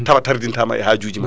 tawa tardintama e haajujima